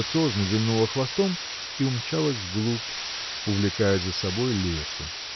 грациозно вильнула хвостом и умчалась в глубь увлекая за собой лесу.